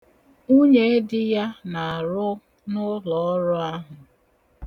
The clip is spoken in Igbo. Nwunyeedi ya na-arụ n'ụlọọrụ ahụ.